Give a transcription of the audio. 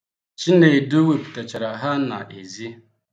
Chinedu wepụtachara ha na-ezi.